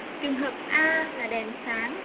trường hợp a là đèn sáng